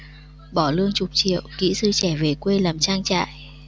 bỏ lương chục triệu kỹ sư trẻ về quê làm trang trại